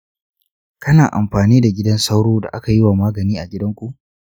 kana amfani da gidan sauro da aka yi wa magani a gidanku?